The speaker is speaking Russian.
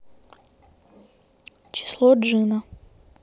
число джина